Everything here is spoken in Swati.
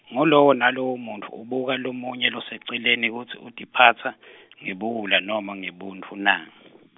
ngulowo nalowo muntfu ubuka lomunye loseceleni kutsi utiphatsa , ngebuwula, nobengebuntfu na?